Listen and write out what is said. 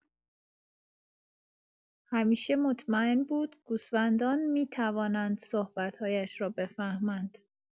همیشه مطمئن بود گوسفندان می‌توانند صحبت‌هایش را بفهمند.